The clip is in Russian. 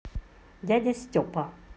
дядя степа